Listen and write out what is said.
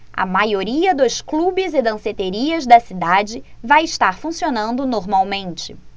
a maioria dos clubes e danceterias da cidade vai estar funcionando normalmente